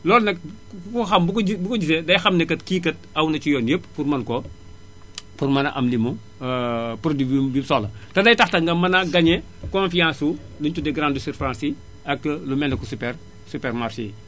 loolu nag ku ko xam bu gi bu ko gisee day xam ne kat kii kat aw na ci yoon bi yépp pour mën koo pour mën a am li mu produit bi mu soxla te day tax tamit nga mën a gagné confiance su li luñ tuddee grandes surface yi ak lu mel ne que super supermarché yi